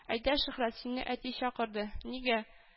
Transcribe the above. Әйдә, Шөһрәт, сине әти чакырды. Нигә